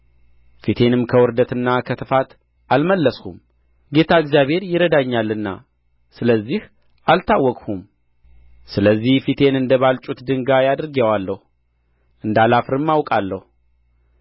ፊቴንም ከውርደትና ከትፋት አልመለስሁም ጌታ እግዚአብሔር ይረዳኛልና ስለዚህ አልታወክሁም ስለዚህም ፊቴን እንደ ባልጩት ድንጋይ አድርጌዋለሁ እንዳላፍርም አውቃለሁ